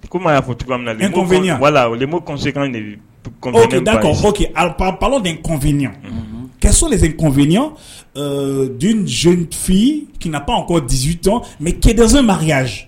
Ko ma y'a fɔ min walasekan da alip balo de kunf kaso de kunfi duzfinanw kɔ diton mɛ kɛdz maya